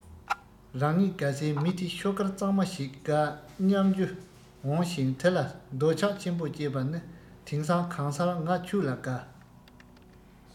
རང ཉིད དགའ སའི མི དེ ཤོག དཀར གཙང མ ཞིག དགའ སྙམ རྒྱུ འོངས ཤིང དེ ལ འདོད ཆགས ཆེན པོ སྐྱེས པ ནི དེང སང གང སར ང ཁྱོད ལ དགའ